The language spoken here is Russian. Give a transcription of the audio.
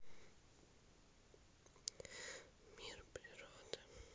мир природы